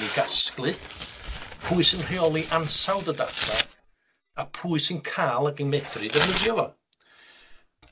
yn 'i gasglu pwy sy'n rheoli ansawdd y data, a pwy sy'n ca'l ag yn medru ddefnyddio fo.